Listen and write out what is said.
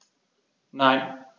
Nein.